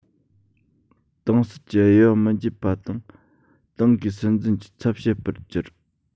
ཏང སྲིད ཀྱི དབྱེ བ མི འབྱེད པ དང ཏང གིས སྲིད འཛིན གྱི ཚབ བྱེད པར གྱུར